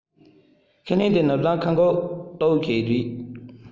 ཁས ལེན དེ ནུབ བྱང ཁ གུག རྟགས ཞིག རེད